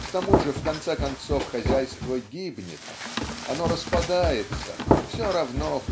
К тому же в конце концов хозяйство гибнет оно распадается все равно